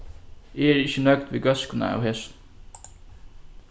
eg eri ikki nøgd við góðskuna av hesum